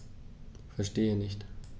Verstehe nicht.